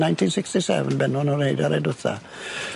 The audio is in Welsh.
Nineteen sixty seven benno nw neud y rai dwetha.